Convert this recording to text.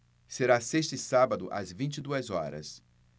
será sexta e sábado às vinte e duas horas